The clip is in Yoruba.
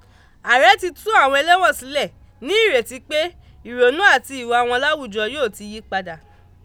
Ààrẹ ti tú àwọn ẹlléwọ̀n sílẹ̀ ní ìrètí pé ìrònú àti ìwà wọn láwùjọ yóò ti yí padà.